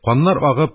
Каннар агып,